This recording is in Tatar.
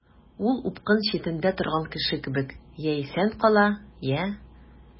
Ул упкын читендә торган кеше кебек— я исән кала, я...